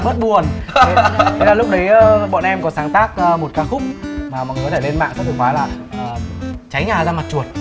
bớt buồn thế là lúc đấy bọn em có sáng tác một ca khúc mọi người có thể lên mạng sớt chìa khóa là cháy nhà ra mặt chuột